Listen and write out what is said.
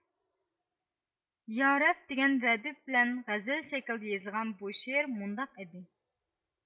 يارەب دېگەن رەدىف بىلەن غەزەل شەكلىدە يېزىلغان بۇ شېئىر مۇنداق ئىدى